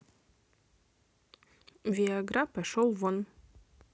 виа гра пошел вон